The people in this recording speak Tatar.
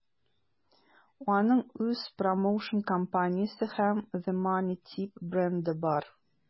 Аның үз промоушн-компаниясе һәм The Money Team бренды бар.